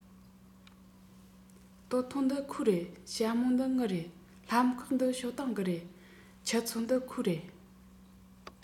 སྟོད ཐུང འདི ཁོའི རེད ཞྭ མོ འདི ངའི རེད ལྷམ གོག འདི ཞའོ ཏིང གི རེད ཆུ ཚོད འདི ཁོའི རེད